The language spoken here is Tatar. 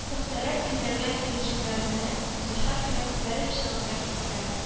Пөхтәләп төйнәлгән төенчекләрне җәһәт кенә күтәреп, чыгып та киттеләр